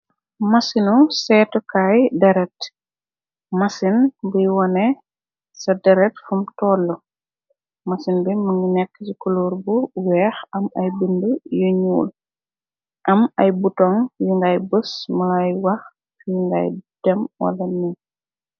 Masinu seetukaay deret masin biy wone ca deret fum toll masin bi mëngi nekk ci kuluur bu weex am ay bind yu ñuul am ay buton yu ngay bës malay wax fiy ngay dem wala ni.